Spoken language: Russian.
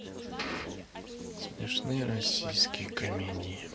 смешные российские комедии